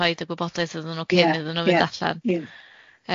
rhoid y gwybodaeth iddyn nw cyn iddyn nw mynd allan.